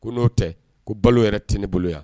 Ko n'o tɛ ko balo yɛrɛ tɛ ne bolo yan